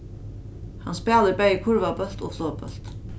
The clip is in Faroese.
hann spælir bæði kurvabólt og flogbólt